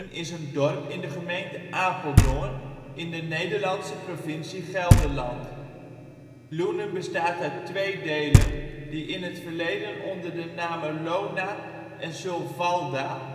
is een dorp in de gemeente Apeldoorn in de Nederlandse provincie Gelderland. Loenen bestaat uit twee delen, die in het verleden onder de namen Lona en Sulvalda